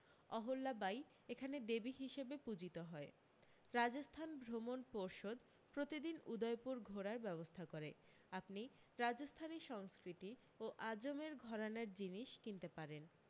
অহল্যা বাই এখানে দেবী হিসাবে পূজিত হয় রাজস্থান ভ্রমণ পর্ষদ প্রতিদিন উদয়পুর ঘোরার ব্যবস্থা করে আপনি রাজস্থানি সংস্কৃতি ও আজমের ঘরানার জিনিস কিনতে পারেন